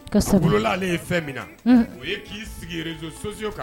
Min ye k'i sigi kan